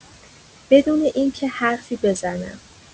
بدون اینکه حرفی بزنم